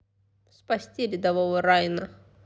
спасти рядового райана